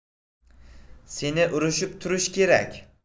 seni urishib turish kerak